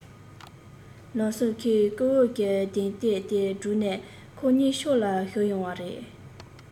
ལམ སེང ཁོའི རྐུབ འོག གི གདན ལྷེབ དེ སྒྲུག ནས ཁོ གཉིས ཕྱོགས ལ ཞུས ཡོང བ རེད